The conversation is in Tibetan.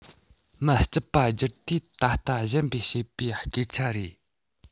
མི སྐྱིད པ སྤྱིར དུས ད ལྟ གཞན པས བཤད པའི སྐད ཆ རེད